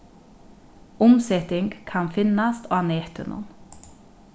umseting kann finnast á netinum